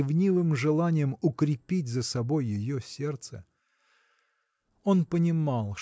ревнивым желанием укрепить за собой ее сердце. Он понимал